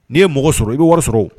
N'i ye mɔgɔ sɔrɔ i bɛ wari sɔrɔ